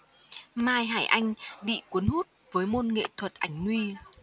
mai hải anh bị cuốn hút với môn nghệ thuật ảnh nude